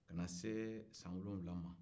ka na se san wolonwula ma